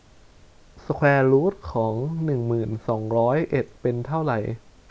สแควร์รูทของหนึ่งหมื่นสองร้อยเอ็ดเป็นเท่าไหร่